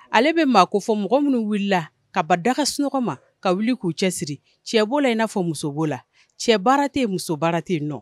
Ale bɛ maa ko fɔ mɔgɔ minnu wulila ka ba daga sunɔgɔ ma ka wuli k'u cɛ siri cɛ la in n'a fɔ muso la cɛ musobara tɛ yen nɔ